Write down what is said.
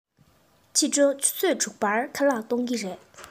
ཕྱི དྲོ ཆུ ཚོད དྲུག པར ཁ ལག གཏོང གི རེད